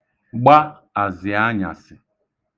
gba àzị̀anyàsị̀